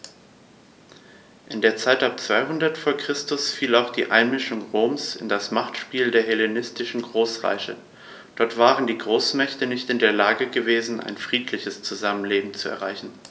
In die Zeit ab 200 v. Chr. fiel auch die Einmischung Roms in das Machtspiel der hellenistischen Großreiche: Dort waren die Großmächte nicht in der Lage gewesen, ein friedliches Zusammenleben zu erreichen.